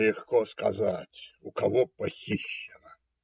- Легко сказать: у кого похищено.